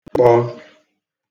kpọ